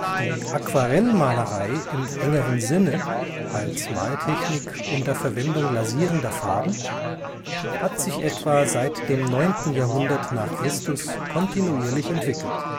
Die Aquarellmalerei im engeren Sinne (als Maltechnik unter Verwendung lasierender Farben) hat sich etwa seit dem 9. Jahrhundert n. Chr. kontinuierlich entwickelt